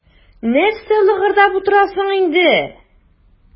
Нәрсә лыгырдап утырасың инде.